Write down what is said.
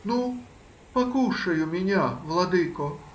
— Ну, покушай у меня, владыко